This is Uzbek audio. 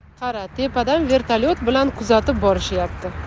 qara tepadan vertolyot bilan kuzatib borishyapti